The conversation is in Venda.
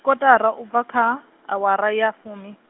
kotara ubva kha, awara ya fumi.